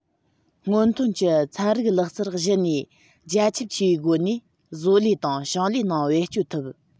སྔོན ཐོན གྱི ཚན རིག ལག རྩལ གཞི ནས རྒྱ ཁྱབ ཆེ བའི སྒོ ནས བཟོ ལས དང ཞིང ལས ནང བེད སྤྱོད ཐུབ